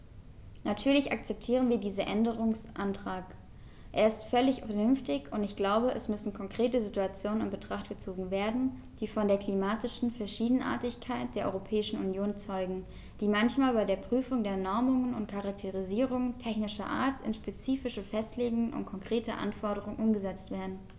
Natürlich akzeptieren wir diesen Änderungsantrag, er ist völlig vernünftig, und ich glaube, es müssen konkrete Situationen in Betracht gezogen werden, die von der klimatischen Verschiedenartigkeit der Europäischen Union zeugen, die manchmal bei der Prüfung der Normungen und Charakterisierungen technischer Art in spezifische Festlegungen und konkrete Anforderungen umgesetzt werden.